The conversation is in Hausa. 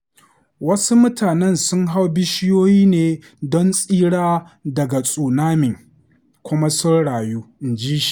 Wasu mutanen sun hau bishiyoyi ne don tsira daga tsunami kuma sun rayu, inji shi.